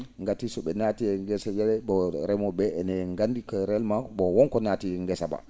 ngati so ?e naatii e gese ?e bon remo?e?e ene nganndi que réellement bon wonko naati e ngesa mbaa